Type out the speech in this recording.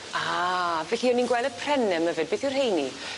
Ah felly o'n i'n gwel' y prenne yma 'fyd beth yw rheini?